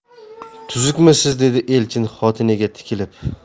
tuzukmisiz dedi elchin xotiniga tikilib